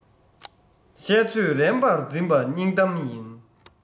བཤད ཚོད རན པར འཛིན པ སྙིང གཏམ ཡིན